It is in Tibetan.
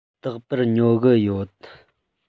རྟག པར ཉོ གི ཡོད